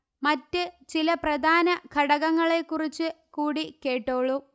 മറ്റ് ചില പ്രധാന ഘടകങ്ങളെക്കുറിച്ച് കൂടി കേട്ടോളൂ